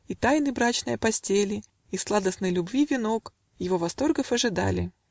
И тайна брачныя постели, И сладостной любви венок Его восторгов ожидали.